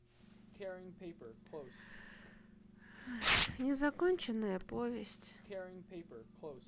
незаконченная повесть